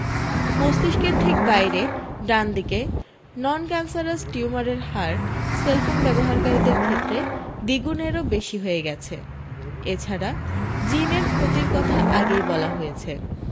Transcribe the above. মস্তিষ্কের ঠিক বাইরে ডান দিকে ননক্যানসারাস টিউমারের হার সেলফোন ব্যবহারকারীদের ক্ষেত্রে দ্বিগুণেরও বেশী হয়ে গেছে এছাড়া জিনের ক্ষতির কথা আগেই বলা হয়েছে